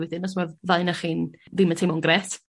wedyn os ma'r ddau 'noch chi'n ddim y teimlo'n grêt.